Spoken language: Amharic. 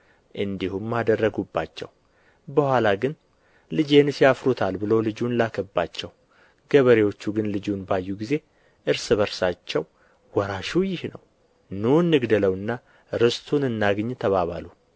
እንዲሁም አደረጉባቸው በኋላ ግን ልጄንስ ያፍሩታል ብሎ ልጁን ላከባቸው ገበሬዎቹ ግን ልጁን ባዩ ጊዜ እርስ በርሳቸው ወራሹ ይህ ነው ኑ እንግደለውና ርስቱን እናግኝ ተባባሉ